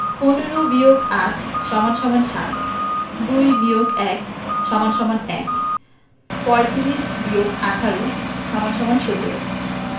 ১৫ – ৮ = ৭ ২ - ১ =১ ৩৫ – ১৮ = ১৭